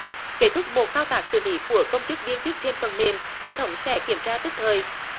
kết thúc buộc thao tác xử lý của công chức viên chức trên phần mềm hệ thống sẽ kiểm tra tức thời